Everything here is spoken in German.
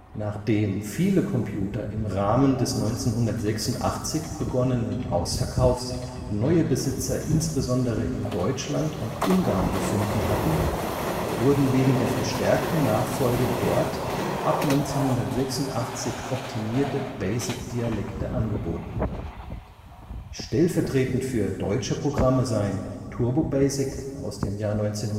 Nachdem viele Computer im Rahmen des 1986 begonnenen Ausverkaufs neue Besitzer insbesondere in Deutschland und Ungarn gefunden hatten, wurden wegen der verstärkten Nachfrage dort ab 1986 optimierte BASIC-Dialekte angeboten. Stellvertretend für deutsche Programme seien Turbobasic (1986